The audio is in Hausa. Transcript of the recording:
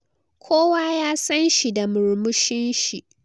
“Kowa ya san shi da murmushin shi.